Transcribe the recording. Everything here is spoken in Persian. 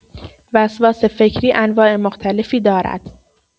وسواس فکری انواع مختلفی دارد.